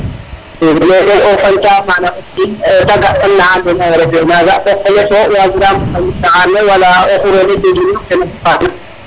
mene o fañ ta mana o kiin te ga tan na ando naye refe naga to qoles o wagiramo wañit taxar ke wala o xurole jeguno